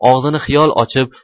og'zini xiyol ochib